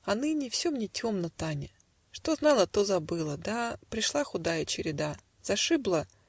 А нынче все мне темно, Таня: Что знала, то забыла. Да, Пришла худая череда! Зашибло.